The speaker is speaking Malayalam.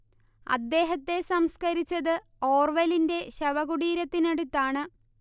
അദ്ദേഹത്തെ സംസ്കരിച്ചത് ഓർവെലിന്റെ ശവകുടീരത്തിനടുത്താണ്